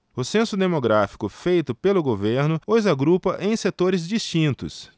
o censo demográfico feito pelo governo os agrupa em setores distintos